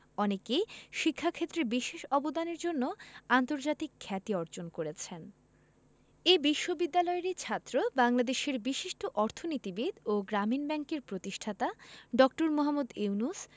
অনেকেই শিক্ষাক্ষেত্রে বিশেষ অবদানের জন্য আন্তর্জাতিক খ্যাতি অর্জন করেছেন এ বিশ্ববিদ্যালয়েরই ছাত্র বাংলাদেশের বিশিষ্ট অর্থনীতিবিদ ও গ্রামীণ ব্যাংকের প্রতিষ্ঠাতা ড. মোহাম্মদ ইউনুস